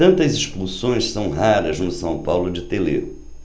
tantas expulsões são raras no são paulo de telê